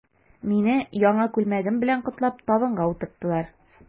Мине, яңа күлмәгем белән котлап, табынга утырттылар.